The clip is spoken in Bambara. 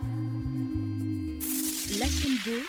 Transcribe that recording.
La don